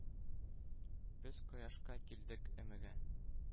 Без кояшка килдек өмәгә,